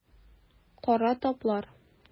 Кара таплар.